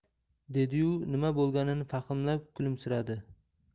dedi yu nima bo'lganini fahmlab kulimsiradi